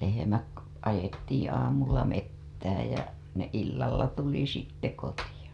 lehmät ajettiin aamulla metsään ja ne illalla tuli sitten kotiin